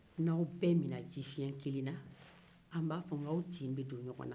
ni aw bɛɛ min na jifiɲɛn kelen na an b'a fɔ ko aw tin bɛ don ɲɔgɔn na